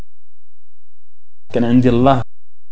كان عندي